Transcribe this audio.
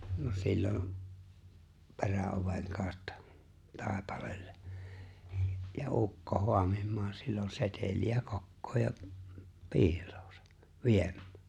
no silloin peräoven kautta taipaleelle ja ukko haamimaan silloin seteliä kokoon ja piiloonsa viemään